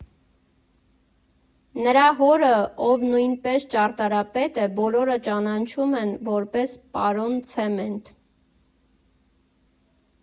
Նրա հորը, ով նույնպես ճարտարապետ է, բոլորը ճանաչում են որպես պարոն Ցեմենտ։